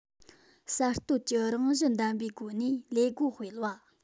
གསར གཏོད ཀྱི རང བཞིན ལྡན པའི སྒོ ནས ལས སྒོ སྤེལ བ